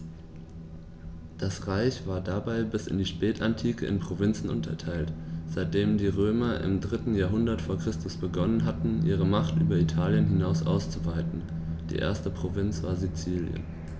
Das Reich war dabei bis in die Spätantike in Provinzen unterteilt, seitdem die Römer im 3. Jahrhundert vor Christus begonnen hatten, ihre Macht über Italien hinaus auszuweiten (die erste Provinz war Sizilien).